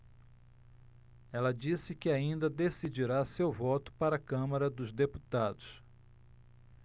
ela disse que ainda decidirá seu voto para a câmara dos deputados